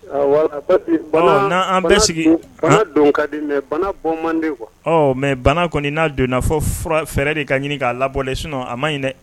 Awɔ Parce que bana don ka di , mais bana bɔ man di quoi , ɔ n'an nbɛ sigi mais ni bana don na fɔ fura, fɛɛrɛ de ka ɲini k' a labɔ sinon a ma ɲi dɛ